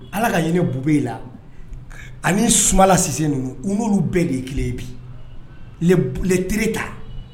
Ala ka ɲini b bube i la ani sulasi ninnu olu bɛɛ de tile bi letiri ta